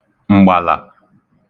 m̀gbàlà